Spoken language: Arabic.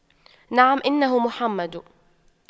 نعم انه محمد